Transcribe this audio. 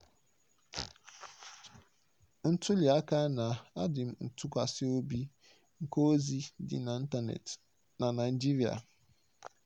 Ntụliaka na adịmntụkwasịobi nke ozi dị n'ịntaneetị na Naịjirịa